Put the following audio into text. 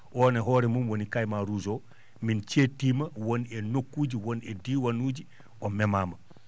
on e hoore mum woni caiman rouge min ceettiima won e nokkuuji won e diiwaanuuji o memaama